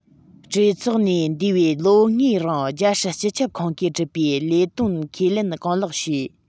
གྲོས ཚོགས ནས འདས པའི ལོ ལྔའི རིང རྒྱལ སྲིད སྤྱི ཁྱབ ཁང གིས བསྒྲུབས པའི ལས དོན ཁས ལེན གང ལེགས བྱས